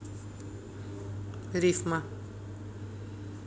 рифма